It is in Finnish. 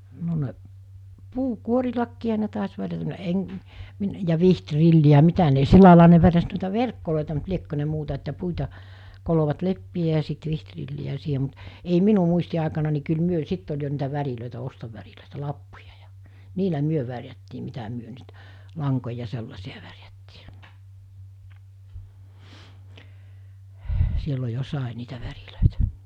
no ne puunkuorillakin ne taisi värjätä no -- ja vihtrilliä ja mitä ne sillä laillahan ne värjäsi noita verkkoja mutta liekö ne muuta että puita kolosivat leppiä ja sitten vihtrilliä siihen mutta ei minun muistiaikana niin kyllä me sitten oli jo niitä värejä ostovärejä lappuja ja niillä me värjättiin mitä me nyt lankoja sellaisia värjättiin silloin jo sai niitä värejä